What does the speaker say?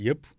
yëpp